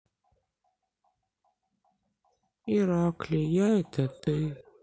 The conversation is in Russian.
иракли я это ты